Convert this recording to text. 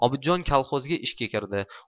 obidjon kolxozga ishga kirdi